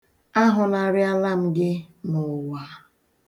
A hụnarịala m gị n'ụwa.